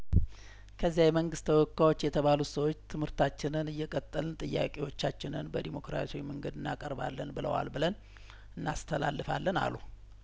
ከዚያ የመንግስት ተወካዮች የተባሉት ሰዎች ትምህርታችንን እየቀጠልን ጥያቄዎቻችንን በዲሞክራሲያዊ መንገድ እናቀርባለን ብለዋል ብለን እናስተላልፋለን አሉ